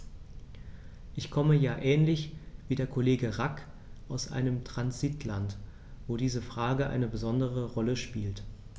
Ich komme ja ähnlich wie der Kollege Rack aus einem Transitland, wo diese Frage eine besondere Rolle spielt.